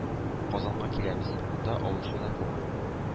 Казанга киләбез. Монда алучы да күп.